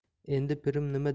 endi pirim nima